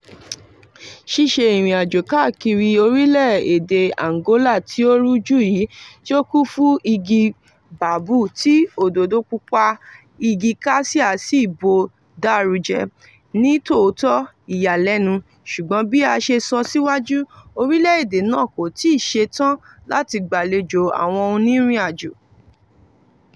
Ṣíṣe ìrìn àjò káàkiri orílẹ̀ èdè Angola tí ó rújú yìí tí ó kún fún igi báábò tí òdòdó pupa igi kasíà sí bòó dáru jẹ́, ní tòótọ́, ìyàlẹ́nu, ṣùgbọ́n bí a ṣe sọ síwájú, orílẹ̀ èdè náà kò tíì ṣe tán láti gbàlejò àwọn onírin àjò.